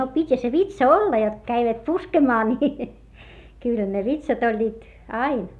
no pitihän se vitsa olla jotta kun kävivät puskemaan niin kyllähän ne vitsat olivat aina